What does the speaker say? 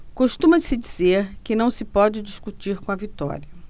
costuma-se dizer que não se pode discutir com a vitória